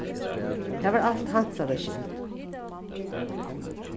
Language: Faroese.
tað var alt hansara skyld